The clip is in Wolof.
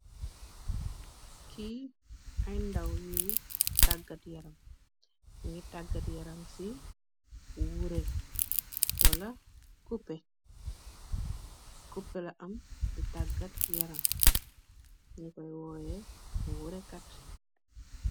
Ki ay ndaw yi tagat yaram ngi tagat yaram ci wureh wala kupeh. Kupeh la am di tagat yaram ngi Koy óyeh wuteh kat.